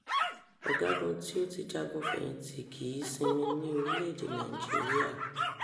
Ọ̀gágun tí ó ti jagun fẹ̀yìntì kì í sinmi ní orílẹ̀-èdè Nàìjíríà